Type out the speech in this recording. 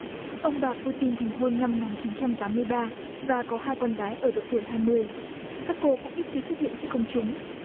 ông bà pu tin thành hôn năm một ngàn chín trăm tám mươi ba và có hai con gái ở độ tuổi hai mươi các cô cũng ít khi xuất hiện trước công chúng